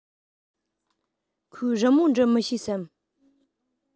ཁོས རི མོ འབྲི མི ཤེས སམ